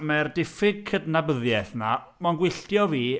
Mae'r diffyg cydnabyddiaeth 'na, mae'n gwylltio fi.